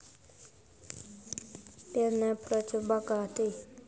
бедная против богатой